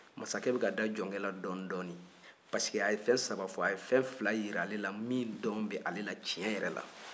masakɛ bɛ ka da jɔnkɛ la dɔnni-dɔnni parce que a ye fɛn saba fɔ a ye fɛn fila jira ale la min dɔn bɛ ale la tiɲɛ yɛrɛ la